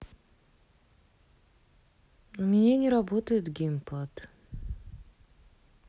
у меня не работает геймпад